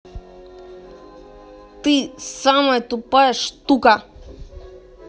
ты самая тупая штука